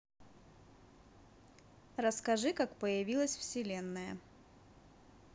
расскажи как появилась вселенная